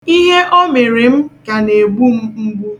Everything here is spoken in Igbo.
Ihe o mere m ka na-egbu m mgbu.